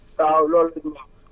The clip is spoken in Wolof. waaw loolu la ñu wax